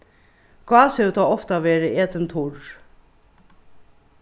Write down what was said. gás hevur tó ofta verið etin turr